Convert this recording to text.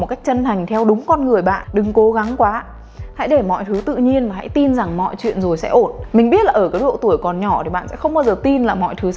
một cách chân thành theo đúng con người bạn đừng cố gắng quá hãy để mọi thứ tự nhiên và hãy tin rằng mọi chuyện rồi sẽ ổn mình biết là ở độ tuổi còn nhỏ thì bạn sẽ không bao giờ tin là mọi thứ